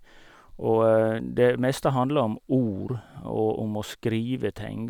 Og det meste handler om ord og om å skrive ting.